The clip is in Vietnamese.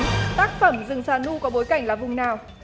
tác phẩm rừng xà nu có bối cảnh là vùng nào